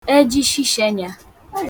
ejịị̀shishienyā